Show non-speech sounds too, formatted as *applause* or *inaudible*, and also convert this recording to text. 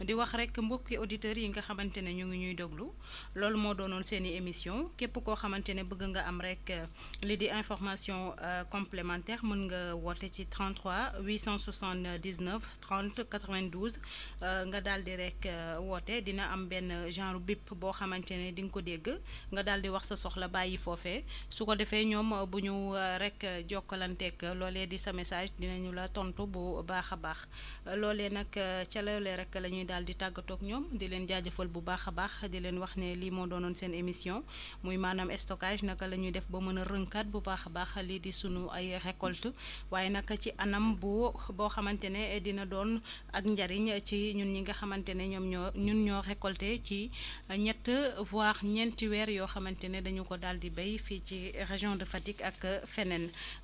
di wax rek mbokki auditeurs yi nga xamante ni ñu ngi ñuy déglu *breath* loolu moo doonoon seen i émission kepp koo xamante ne bëgg nga am rek *smacks lips* lii di information *hesitation* complémentaire mën nga woote ci 33 879 30 92 *breath* *hesitation* nga daal di rek *hesitation* woote dina am benn genre bip boo xamante ni di nga ko dégg *breath* nga daal di wax sa soxla bàyyi foofee su ko defee ñoom bu ñu *hesitation* rek jokkalanteeg loolee di sa message dinañu la tontu bu baax a baax *breath* loolee nag *hesitation* ca loolee nag la ñuy daal di tàggatoog énoom di leen jaajëfal bu baax a baax di leen wax ne lii moo doonoon seen émission *breath* muy maanaam stockage naka la ñuy def ba mën a rënkaat bu baax a baax lii di sunu ay récoltes *breath* waaye nag ci anam bu boo xamante ne dina doon *breath* ak njëriñ ci ñun ñi nga xamante ne ñoom ñoo ñun ñoo recolté ci *breath* ñett voire ñeenti weer yoo xamante ne dañu ko daal di béy fii ci région de Fatick ak feneen *breath*